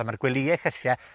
a ma'r gwelye llysie